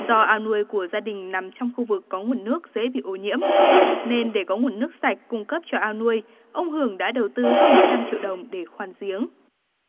do ao nuôi của gia đình nằm trong khu vực có nguồn nước dễ bị ô nhiễm nên để có nguồn nước sạch cung cấp cho ao nuôi ông hưởng đã đầu tư hơn một trăm triệu đồng để khoan giếng